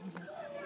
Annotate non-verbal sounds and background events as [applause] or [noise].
[hesitation] [hesitation]